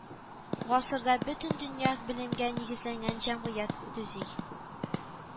Гасырда бөтен дөнья белемгә нигезләнгән җәмгыять төзи